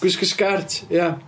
Gwisgo sgert, ie.